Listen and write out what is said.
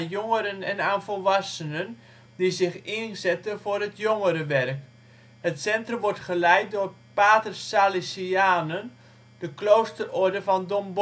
jongeren en aan volwassenen die zich inzetten voor het jongerenwerk. Het centrum wordt geleid door paters Salesianen, de kloosterorde van Don